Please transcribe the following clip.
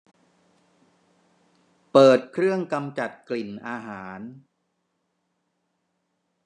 เปิดเครื่องกำจัดกลิ่นอาหาร